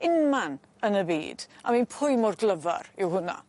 unman yn y byd I mean pwy mor glyfar yw hwnna?